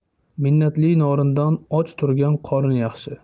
minnatli norindan och turgan qorin yaxshi